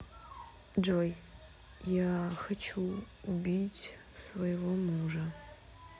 джой я хочу убить своего мужа